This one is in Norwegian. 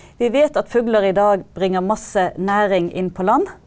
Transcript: vi vet at fugler i dag bringer masse næring inn på land.